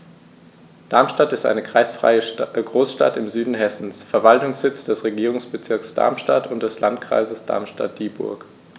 Darmstadt ist eine kreisfreie Großstadt im Süden Hessens, Verwaltungssitz des Regierungsbezirks Darmstadt und des Landkreises Darmstadt-Dieburg.